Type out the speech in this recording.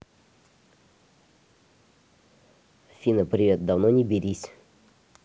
афина привет давно не берись